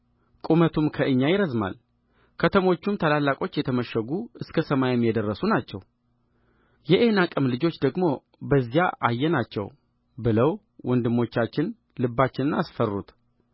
ቁመቱም ከእኛ ይረዝማል ከተሞቹም ታላላቆች የተመሸጉም እስከ ሰማይም የደረሱ ናቸው የዔናቅንም ልጆች ደግሞ በዚያ አየናቸው ብለው ወንድሞቻችን ልባችንን አስፈሩት